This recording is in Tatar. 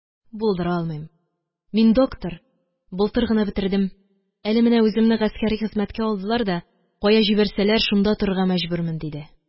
Булдыра алмыйм, мин доктор, былтыр гына бетердем, әле менә үземне гаскәри хезмәткә алдылар да, кая җибәрсәләр, шунда торырга мәҗбүрмен, – диде